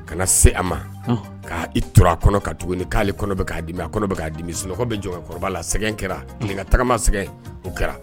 Ka se a ma k' i tura kɔnɔ ka tuguni ni k'ale kɔnɔ k' dimi a kɔnɔ bɛ k'a dimi sunɔgɔ bɛ jɔnkɔrɔba la sɛgɛn kɛra ka tagama sɛgɛn o kɛra